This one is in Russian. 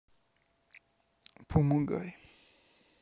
помогай